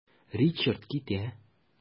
Ричард китә.